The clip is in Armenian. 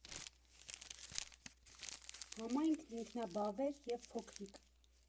Համայնքն ինքնաբավ էր և փոքրիկ։